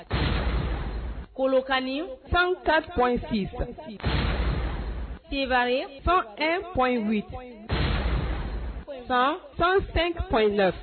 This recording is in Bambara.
Kolonkani san ka kɔn ci fɛn e kɔn wuli san sansen p la